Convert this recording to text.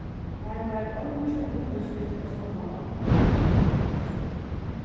har var eingin undirskrift á sáttmálanum